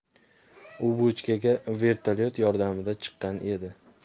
u bochkaga vertolyot yordamida chiqqan edi